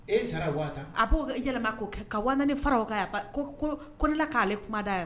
E sara a b'o yɛlɛma ko kɛ ka wa fara o ka yan ko ko nela k'ale kuma da yan